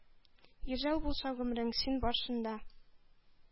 Йөзәү булса гомрең, син барсын да